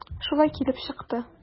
Шулай килеп чыкты.